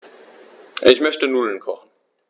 Ich möchte Nudeln kochen.